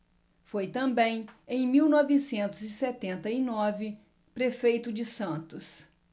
foi também em mil novecentos e setenta e nove prefeito de santos